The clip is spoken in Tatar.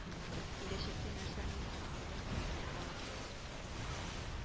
Киләчәктә нәрсәнең мөһимлеген тоемлый ала торган